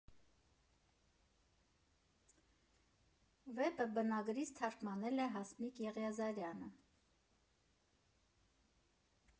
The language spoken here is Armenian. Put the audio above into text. Վեպը բնագրից թարգմանել է Հասմիկ Եղիազարյանը։